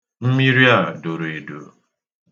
Mmiri a doro edo.